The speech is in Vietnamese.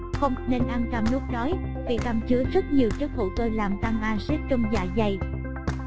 không nên ăn cam lúc đói vì cam chứa rất nhiều chất hữu cơ làm tăng axit trong dạ dày